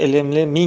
ilmli ming yashar